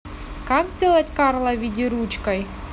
как сделать карла виде ручкой